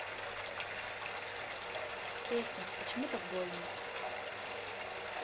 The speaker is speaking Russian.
песня почему так больно